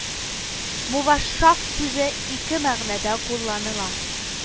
Мувашшах сүзе ике мәгънәдә кулланыла